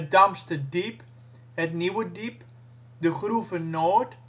Damsterdiep, het Nieuwe Diep, de Groeve-Noord